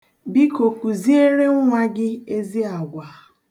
Biko, kụziere nwa gị ezi agwa.